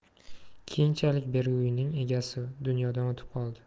keyinchalik berigi uyning egasi dunyodan o'tib qoldi